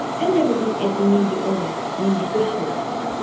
Әнә безнең әти нинди олы, нинди көчле.